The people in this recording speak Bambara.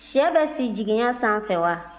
shɛ bɛ si jiginɛ san fɛ wa